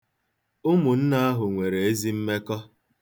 Ụmụnne ahụ nwere ezi mmekọ.